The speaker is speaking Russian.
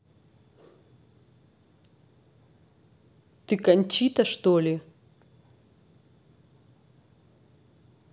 ты кончита что ли